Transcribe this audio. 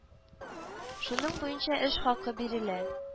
Шуның буенча эш хакы бирелә